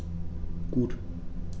Gut.